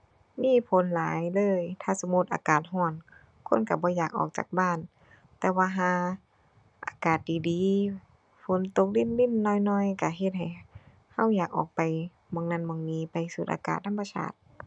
มีผลหลายเลย ถ้าสมมุติอากาศร้อน คนร้อนบ่อยากออกจากบ้าน แต่ว่าห่าอากาศดีดี ฝนตกรินรินหน่อยหน่อย ร้อนเฮ็ดให้ร้อนอยากออกไปหม้องนั้นหม้องนี้ ไปสูดอากาศธรรมชาติ